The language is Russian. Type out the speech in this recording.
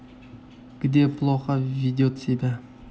где плохо ведет себя